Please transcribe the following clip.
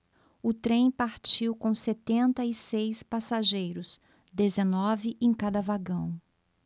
o trem partiu com setenta e seis passageiros dezenove em cada vagão